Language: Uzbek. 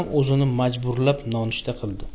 uzini majburlab nonushta qildi